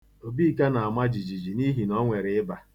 Obika na-ama jijiji n'ihi na o nwere ịba.